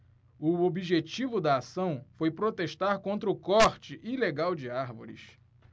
o objetivo da ação foi protestar contra o corte ilegal de árvores